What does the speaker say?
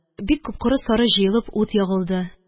Бик күп коры-сары җыелып ут ягылды.